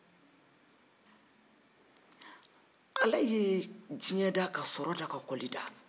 ala ye diɲɛ da ka sɔrɔ da ka kɔli da